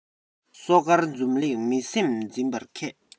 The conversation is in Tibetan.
སོ དཀར འཛུམ ལེགས མི སེམས འཛིན པར མཁས